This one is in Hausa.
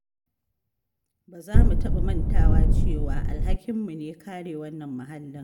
Ba za mu taɓa mantawa cewa alhakinmu ne kare wannan muhallin.